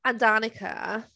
A Danica.